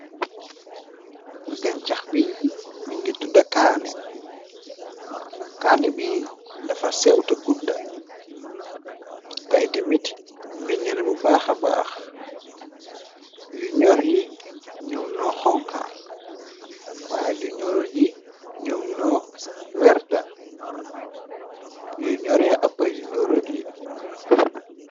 Gañcax biy mi ngi tudda kaane kaani bi dafa sewta gudda ta iti mit meñana bu baaxa baax yu ñor yi ñoom no xonka waye lu ñorut yi ñoom noo werta yu ñore ëppa yu ñorut yi.